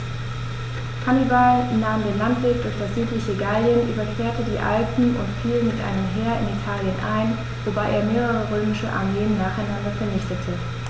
Hannibal nahm den Landweg durch das südliche Gallien, überquerte die Alpen und fiel mit einem Heer in Italien ein, wobei er mehrere römische Armeen nacheinander vernichtete.